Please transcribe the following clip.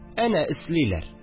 Әнә эслиләр